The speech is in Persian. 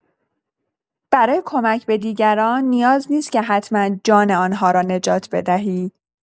برای کمک به دیگران نیاز نیست که حتما جان آن‌ها را نجات بدهی.